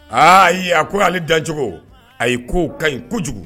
Aa ayi a ko ale dancogo ayi ko ka ɲi kojugu.